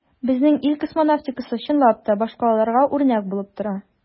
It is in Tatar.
Безнең ил космонавтикасы, чынлап та, башкаларга үрнәк булып тора.